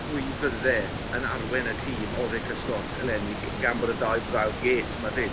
pwy fydde yn arwen y tîm Orica Scott eleni g- gan bod y ddau brawd Yates 'ma 'fyd